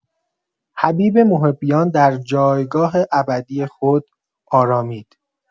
حبیب محبیان در جایگاه ابدی خود آرامید.